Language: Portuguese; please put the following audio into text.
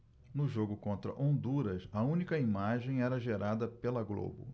no jogo contra honduras a única imagem era gerada pela globo